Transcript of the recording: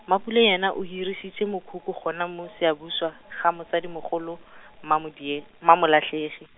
Mapule yena o hirišitše mokhukhu gona mo Siyabuswa, ga mosadimogolo, Mmoamodie-, Mmamolahlegi.